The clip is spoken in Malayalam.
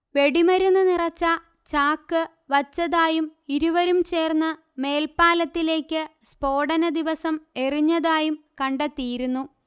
വെടിമരുന്ന്നിറച്ച ചാക്ക് വച്ചതായും ഇരുവരും ചേർന്ന്മേല്പ്പാലത്തിലേക്ക് സ്ഫോടന ദിവസം എറിഞ്ഞതായും കണ്ടെത്തിയിരുന്നു